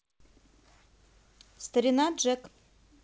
старина джек